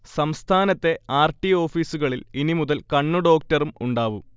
സംസ്ഥാനത്തെ R. T ഓഫീസുകളിൽ ഇനി മുതൽ കണ്ണുഡോക്ടറും ഉണ്ടാവും